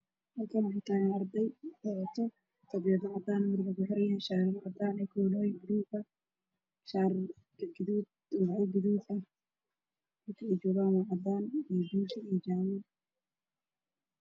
Waa hool waxaa iskugu imaaday gabdho iyo wiilal yar-yar